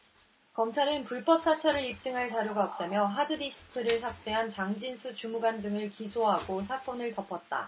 검찰은 불법 사찰을 입증할 자료가 없다며 하드디스크를 삭제한 장진수 주무관 등을 기소하고 사건을 덮었다